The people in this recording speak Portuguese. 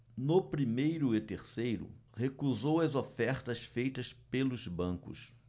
no primeiro e terceiro recusou as ofertas feitas pelos bancos